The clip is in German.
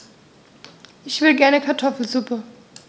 Ich will gerne Kartoffelsuppe.